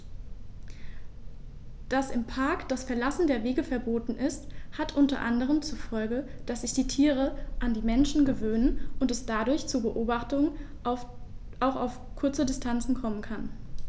Dass im Park das Verlassen der Wege verboten ist, hat unter anderem zur Folge, dass sich die Tiere an die Menschen gewöhnen und es dadurch zu Beobachtungen auch auf kurze Distanz kommen kann.